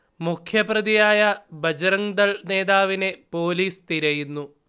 മുഖ്യപ്രതിയായ ബജ്റങ്ദൾ നേതാവിനെ പോലീസ് തിരയുന്നു